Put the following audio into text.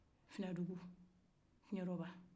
finadugukiɲɛrɔba